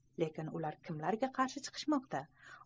lekin ular kimlarga qarshi chiqishmoqda